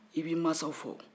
i b'i masaw fɔ